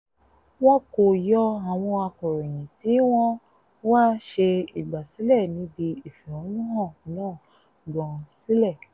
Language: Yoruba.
Wọn kò yọ àwọn akọ̀ròyìn tí wọ́n wá ṣe ìgbàsílẹ̀ níbi ìfẹ̀hónúhàn náà gan sílẹ̀.